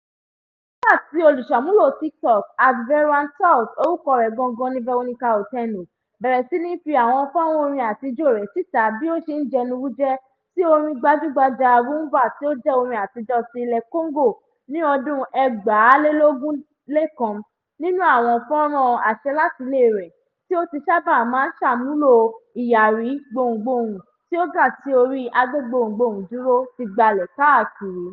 Nígbà tí olùṣàmúlò Tiktok @Veroansalt (orúkọ rẹ̀ gangan ni Veronica Otieno) bẹ̀rẹ̀ sí ní fi àwọn fọ́nràn orin àti ijó rẹ̀ síta bí ó ṣe ń jẹnu wújẹ́ sí ohùn orin gbajúgbajà Rhumba tí ó jẹ́ orín àtijọ́ ti ilẹ̀ Congo ní ọdún 2021, nínú àwọn fọ́nràn àṣelátilé rẹ̀ tí ó ti sábà máa ń sàmúlò ìyàrí (gbohùngbohùn) tí ó gà sí orí agbégbohùngbohùndúró ti gbalẹ̀ káàkiri.